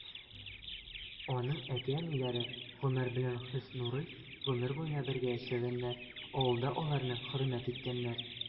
Аның әти-әниләре Гомәр белән Хөснурый гомер буена бергә яшәгәннәр, авылда аларны хөрмәт иткәннәр.